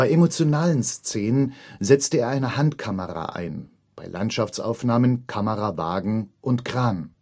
emotionalen Szenen setzte er eine Handkamera ein, bei Landschaftsaufnahmen Kamerawagen und Kran